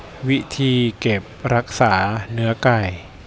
วิธีเก็บรักษาเนื้อไก่